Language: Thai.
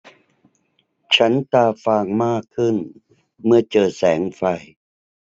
ฉันตาฟางมากขึ้นเมื่อเจอแสงไฟ